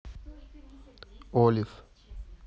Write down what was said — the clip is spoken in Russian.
олив